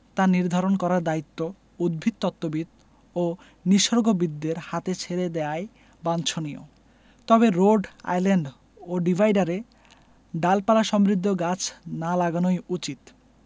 তা নির্ধারণ করার দায়িত্ব উদ্ভিদতত্ত্ববিদ ও নিসর্গবিদদের হাতে ছেড়ে দেয়াই বাঞ্ছনীয় তবে রোড আইল্যান্ড ও ডিভাইডারে ডালপালাসমৃদ্ধ গাছ না লাগানোই উচিত